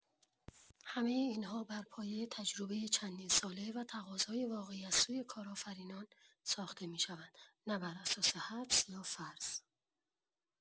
همۀ این‌ها بر پایۀ تجربۀ چندین ساله و تقاضای واقعی از سوی کارآفرینان ساخته می‌شوند، نه بر اساس حدس یا فرض.